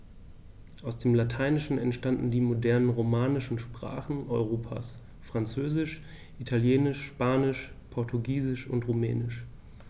Aus dem Lateinischen entstanden die modernen „romanischen“ Sprachen Europas: Französisch, Italienisch, Spanisch, Portugiesisch und Rumänisch.